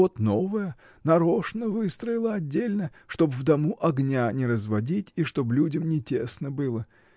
вот новая, нарочно выстроила отдельно, чтоб в дому огня не разводить и чтоб людям не тесно было.